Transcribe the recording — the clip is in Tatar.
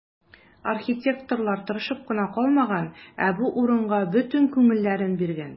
Архитекторлар тырышып кына калмаган, ә бу урынга бөтен күңелләрен биргән.